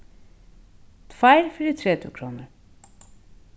tveir fyri tretivu krónur